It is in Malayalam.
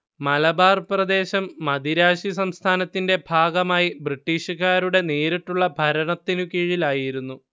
മലബാർ പ്രദേശം മദിരാശി സംസ്ഥാനത്തിന്റെ ഭാഗമായി ബ്രിട്ടീഷുകാരുടെ നേരിട്ടുള്ള ഭരണത്തിനു കീഴിലായിരുന്നു